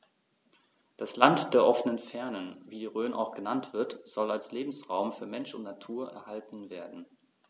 Das „Land der offenen Fernen“, wie die Rhön auch genannt wird, soll als Lebensraum für Mensch und Natur erhalten werden.